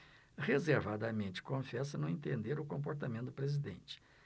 reservadamente confessa não entender o comportamento do presidente